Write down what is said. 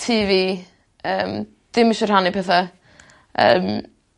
tŷ fi yym ddim isio rhannu petha yym